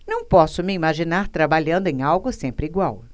não posso me imaginar trabalhando em algo sempre igual